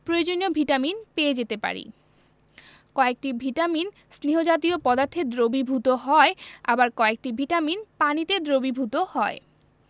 প্রয়োজনীয় ভিটামিন পেয়ে যেতে পারি কয়েকটি ভিটামিন স্নেহ জাতীয় পদার্থে দ্রবীভূত হয় আবার কয়েকটি ভিটামিন পানিতে দ্রবীভূত হয়